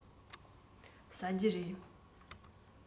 ཟ རྒྱུ རེད